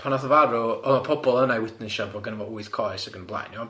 Pan nath o farw, oedd y pobl yna i witnessio bo' genna fo wyth coes ag yn y blaen, iawn?